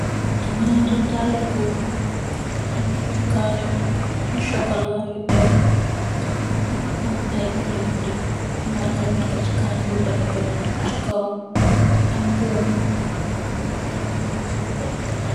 Naari daali gòor yu chukalè yu sokola yu dèrr nungi am ay binda-binda, markè-markè chi kanam yu bëna-bëna chi kaw am buum bun chi dugal.